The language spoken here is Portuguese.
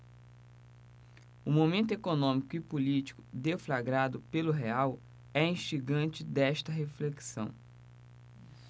o momento econômico e político deflagrado pelo real é instigante desta reflexão